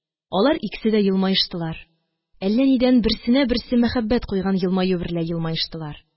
Алар икесе дә елмаештылар. Әллә нидән берсенә берсе мәхәббәт куйган елмаю берлә елмаештылар